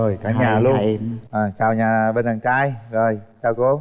rồi cả nhà luôn à chào nhà bên đằng trai rồi chào cô